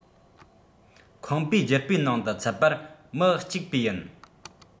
ཁང པའི རྒྱུ སྤུས ནང དུ ཚུད པར མི གཅིག པས ཡིན